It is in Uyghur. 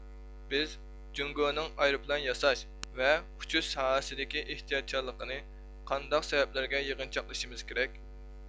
بىز جوگڭونىڭ ئايروپىلان ياساش ۋە ئۇچۇش ساھەسىدىكى ئېھتىياتچانلىقىنى قانداق سەۋەبلەرگە يىغىنچاقلىشىمىز كېرەك